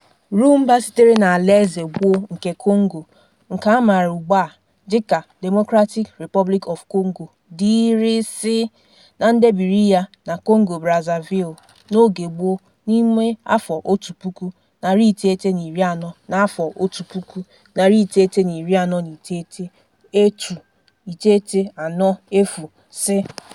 Rhumba sitere n'alaeze gboo nke Kongo nke a maara ugba a dịka 'Democratic Republic of Congo' (DRC) na ndebiri ya na 'Congo-Brazzaville' n'oge gboo n'ime afọ otu puku, narị iteghete na iri anọ na afọ otu puku, narị iteghete na iri anọ na iteghete (1940s).